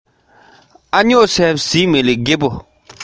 ཞིང ཁ གཞན ཞིག ཏུ སླེབས